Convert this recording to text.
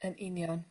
Yn union.